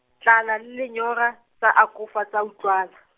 tlala le lenyora, tsa akofa tsa utlwala.